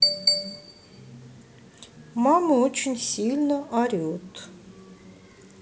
мама очень сильно орет